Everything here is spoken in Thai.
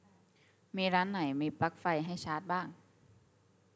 มีร้านไหนมีปลั๊กไฟให้ชาร์จบ้าง